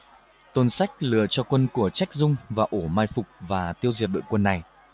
tôn sách lừa cho quân của trách dung vào ổ mai phục và tiêu diệt đội quân này